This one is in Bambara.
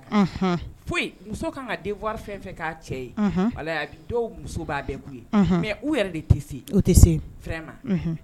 Cɛ ye ala dɔw muso b'a bɛɛ' ye mɛ yɛrɛ de tɛ se tɛ se ma